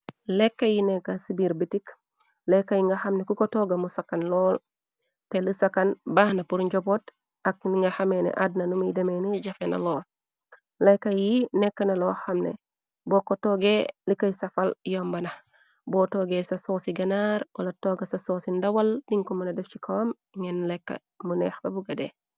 Lekk yi nekk sibiir bitik, lekka y nga xamne ku ko tooga mu sakan lool, te li sakan baaxna pur njoboot ak nga xameene addna numuy demeene jafe na loo. Lekka yi nekk na loo xamne bo ko tooge li kay safal yomba nax, boo toogee ca soo ci genaar wala togga ca sooci ndawal dinko mëna def ci kom ngeen lekk mu neexbabugadee.